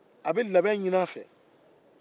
a bɛ labɛn ɲini a fɛ